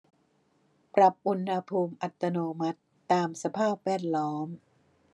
ปรับอุณหภูมิอัตโนมัติตามสภาพแวดล้อม